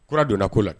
Kura donna ko la